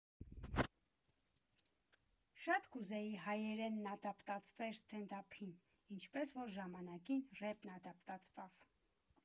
Շատ կուզեի հայերենն ադապտացվեր սթենդափին, ինչպես որ ժամանակին ռեպն ադապտացավ։